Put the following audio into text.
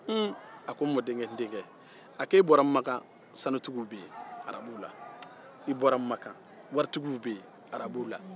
hum a ko n mɔdenkɛ n denkɛ a k'e bɔra makan sanutigiw bɛ yen arabuw la i bɔra mankan waritigiw bɛ yen arabuw la